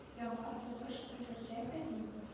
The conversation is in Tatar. Яңа сулыш өрергә тели